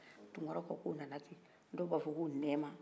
tunkaraw ka ko nana ten dɔw b'a fɔ ko nɛma